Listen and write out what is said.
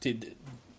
Ti'n dy- n-...